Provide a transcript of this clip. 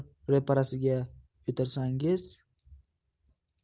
televizor ro'parasiga o'tirsangiz